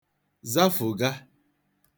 zafụ̀ga